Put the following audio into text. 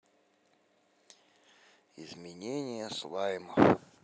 изменение слаймов